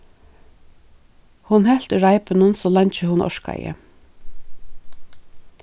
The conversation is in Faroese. hon helt í reipinum so leingi hon orkaði